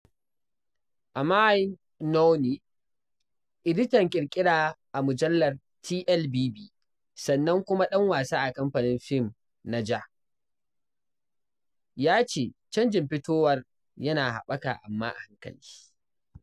Amine Nawny, editan ƙirƙira a mujallar TLBB sannan kuma ɗan wasa a Kamfanin Fim na JAA ya ce, ''Canjin fitowar yana haɓaka amma a hankali''.